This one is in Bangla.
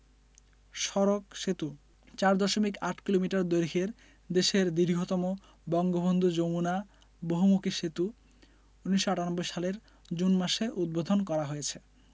সড়কঃ সেতু ৪দশমিক ৮ কিলোমিটার দৈর্ঘ্যের দেশের দীর্ঘতম বঙ্গবন্ধু যমুনা বহুমুখী সেতু ১৯৯৮ সালের জুন মাসে উদ্বোধন করা হয়েছে